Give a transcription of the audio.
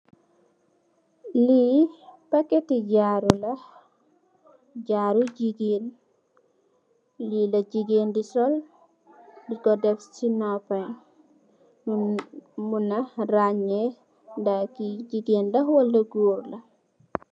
Li packet ti jaru la jaru jigeen li la jigeen di sol diko deff ci nopam porr ni muna ranneh ki goor la wala jigeen.